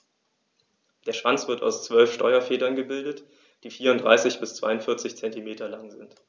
Der Schwanz wird aus 12 Steuerfedern gebildet, die 34 bis 42 cm lang sind.